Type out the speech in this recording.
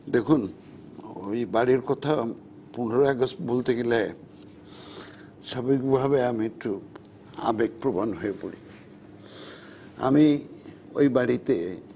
দেখুন ওই বাড়ির কথা 15 ই আগস্ট বলতে গেলে স্বাভাবিকভাবেই আমি একটু আবেগপ্রবণ হয়ে পড়ি আমি ওই বাড়িতে